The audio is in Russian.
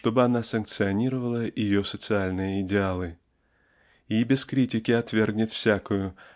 чтобы она санкционировала ее социальные идеалы и без критики отвергнет всякую